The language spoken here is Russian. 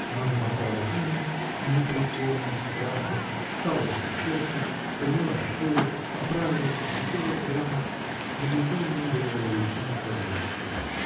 Она замахала руками в непритворном страхе, встала с кушетки, подняла стору, оправилась и села прямо, но лицо у ней горело лучами торжества.